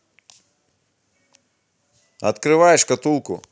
открывай шкатулку